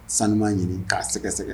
Sanu' ɲini k'a sɛgɛsɛgɛ